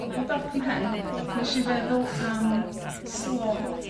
o dop 'ym mhen, nesh i feddwl am slo.